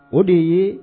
O de ye